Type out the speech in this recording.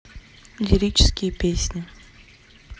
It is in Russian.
лирические песни